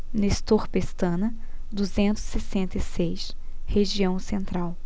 nestor pestana duzentos e sessenta e seis região central